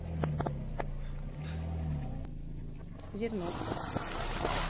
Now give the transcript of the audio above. зерновка